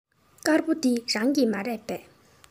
དཀར པོ འདི རང གི མ རེད པས